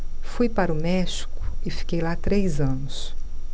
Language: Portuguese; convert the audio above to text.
fui para o méxico e fiquei lá três anos